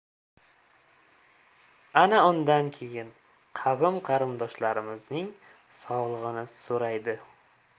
ana undan keyin qavm qarindoshlarimizning sog'lig'ini so'raydi